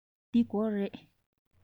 འདི སྒོ རེད